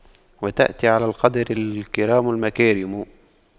وتأتي على قدر الكرام المكارم